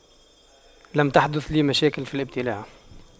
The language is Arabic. لم تحدث لي مشاكل في الابتلاع